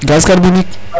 gaz carbonique